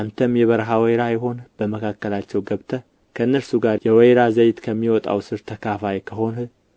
አንተም የበረሀ ወይራ የሆንህ በመካከላቸው ገብተህ ከእነርሱ ጋር የወይራ ዘይት ከሚወጣው ሥር ተካፋይ ከሆንህ